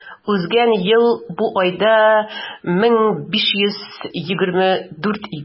Узган ел бу айда 1524 иде.